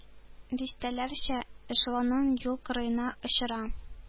Дистәләрчә эшелонын юл кырыена “очыра”.